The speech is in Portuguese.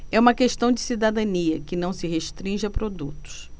é uma questão de cidadania que não se restringe a produtos